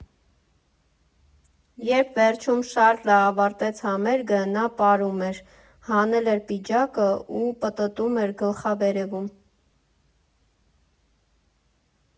Երբ վերջում Շառլը ավարտեց համերգը, նա պարում էր, հանել էր պիջակը ու պտտում էր գլխավերևում…